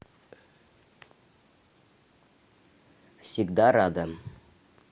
всегда рада